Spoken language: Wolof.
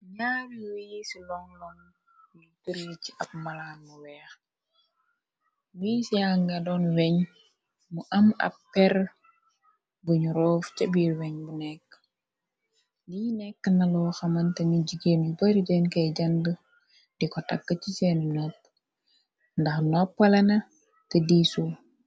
ñaari wiisi lon loon yu turee ci ab malanu weex wiisànga doon weñ mu am ab per buñu roof ca biir weñ bu nekk li nekk naloo xamante mi jigeen yu bari denkey jànd di ko tàkk ci seen nopp ndax noppalana te diisu